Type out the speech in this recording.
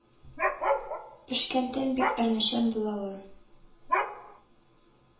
Пешкән тән бик әрнүчән була ул